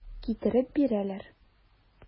Китереп бирәләр.